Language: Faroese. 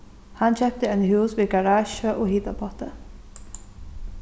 hann keypti eini hús við garasju og hitapotti